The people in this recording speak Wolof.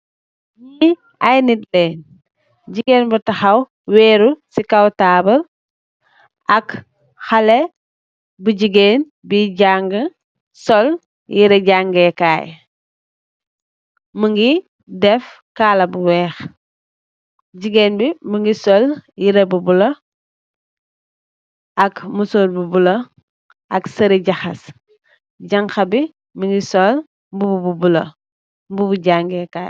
Li aye nit leen jigeen bu takhaw were si kaw tabul ak khaleh bu jigeen buye janga sul yereh jangeh kai mungi def kala bu wekh jigeen bi mungi sul yereh bu bulah ak musor bu bulah ak yereh serih jakhass